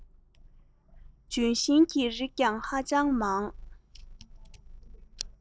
ལྗོན ཤིང གི རིགས ཀྱང ཧ ཅང མང